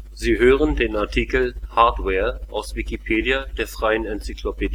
Sie hören den Artikel Hardware, aus Wikipedia, der freien Enzyklopädie